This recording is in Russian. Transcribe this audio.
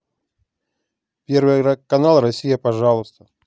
первый канал россия пожалуйста